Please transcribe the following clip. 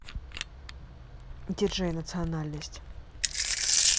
dj национальность